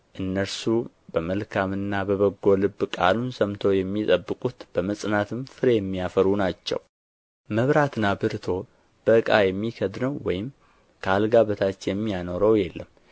እነርሱ በመልካምና በበጎ ልብ ቃሉን ሰምተው የሚጠብቁት በመጽናትም ፍሬ የሚያፈሩ ናቸው መብራትንም አብርቶ በዕቃ የሚከድነው ወይም ከአልጋ በታች የሚያኖረው የለም